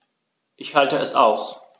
Ich schalte es aus.